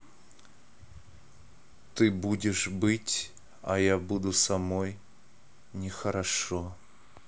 ты будешь быть а я буду самой нехорошо